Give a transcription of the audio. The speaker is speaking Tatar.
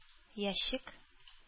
Ящик